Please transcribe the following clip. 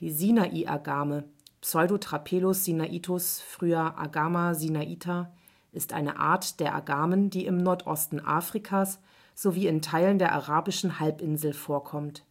Sinai-Agame (Pseudotrapelus sinaitus, früher Agama sinaita) ist eine Art der Agamen, die im Nordosten Afrikas sowie in Teilen der Arabischen Halbinsel vorkommt